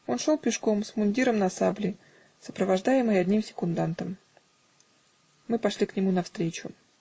Он шел пешком, с мундиром на сабле, сопровождаемый одним секундантом. Мы пошли к нему навстречу.